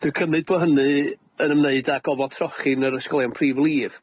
Dwi'n cymyd bo' hynny yn ymwneud â gofod trochi yn yr ysgolion prif lif.